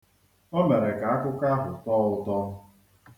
O mere ka akụkọ ahụ tọọ ụtọ.